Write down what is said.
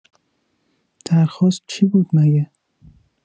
درخواست چی بود مگه؟